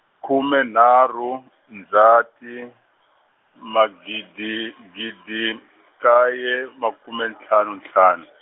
khume nharhu, Ndzati, magidi gidi nkaye makume ntlhanu ntlhanu.